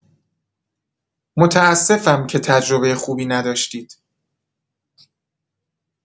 متاسفم که تجربه خوبی نداشتید.